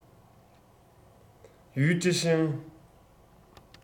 ཡུས ཀྲེང ཧྲེང